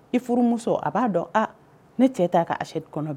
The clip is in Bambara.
I furumuso a b'a dɔn a ne cɛ t'a ka assiette kɔnɔ bi